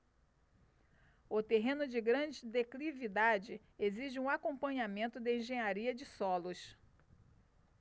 o terreno de grande declividade exige um acompanhamento de engenharia de solos